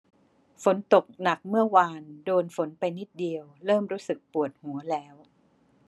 ฝนตกหนักเมื่อวานโดนฝนไปนิดเดียวเริ่มรู้สึกปวดหัวแล้ว